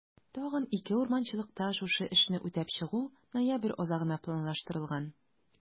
Тагын 2 урманчылыкта шушы эшне үтәп чыгу ноябрь азагына планлаштырылган.